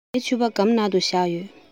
ངའི ཕྱུ པ སྒམ ནང ལ བཞག ཡོད